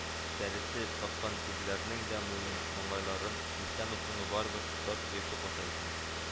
Тәресе таккан ирләрнең дә муен-маңгайларын иртәме-соңмы барыбер тоташ җыерчык баса икән